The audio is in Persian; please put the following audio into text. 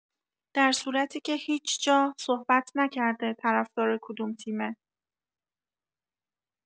درصورتی که هیج جا صحبت نکرده طرفدار کدوم تیمه